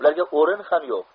ularga o'rin ham yo'q